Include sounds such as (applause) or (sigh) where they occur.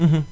(hesitation) (hesitation)